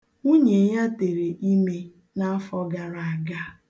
Nwunye ya tere ime na afọ gara aga.